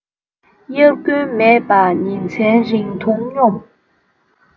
དབྱར དགུན མེད པ ཉིན མཚན རིང ཐུང སྙོམས